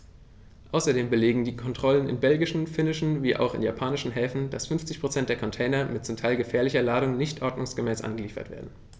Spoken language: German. Außerdem belegen Kontrollen in belgischen, finnischen wie auch in japanischen Häfen, dass 50 % der Container mit zum Teil gefährlicher Ladung nicht ordnungsgemäß angeliefert werden.